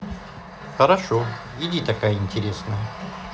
хорошо идти такая интересная